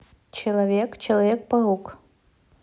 человек человек паук